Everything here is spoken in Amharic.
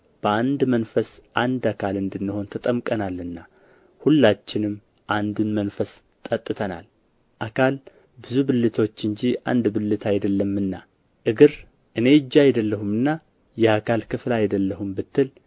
በአንድ መንፈስ አንድ አካል እንድንሆን ተጠምቀናልና ሁላችንም አንዱን መንፈስ ጠጥተናል አካል ብዙ ብልቶች እንጂ አንድ ብልት አይደለምና እግር እኔ እጅ አይደለሁምና የአካል ክፍል አይደለሁም ብትል